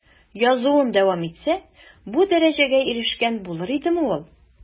Язуын дәвам итсә, бу дәрәҗәгә ирешкән булыр идеме ул?